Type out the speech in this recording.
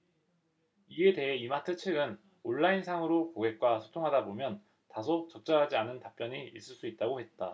이에 대해 이마트 측은 온라인상으로 고객과 소통하다보면 다소 적절하지 않은 답변이 있을 수 있다고 했다